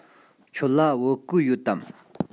ཁྱོད ལ བོད གོས ཡོད དམ